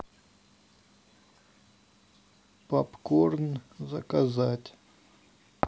попкорн заказать